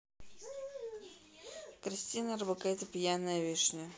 кристина орбакайте пьяная вишня